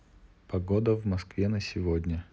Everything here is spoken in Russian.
погода в москве на сегодня